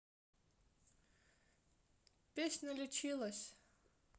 песня лечилось